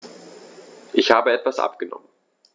Ich habe etwas abgenommen.